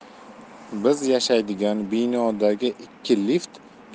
biz yashaydigan binodagi ikki